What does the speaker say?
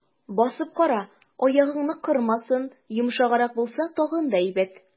Басып кара, аягыңны кырмасын, йомшаграк булса, тагын да әйбәт.